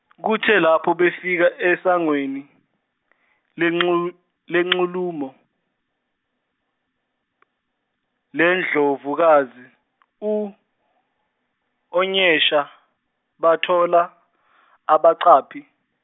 kuthe lapho befika esangweni lenxu- lenxuluma, lendlovukazi u Onyesha bathola abaqaphi.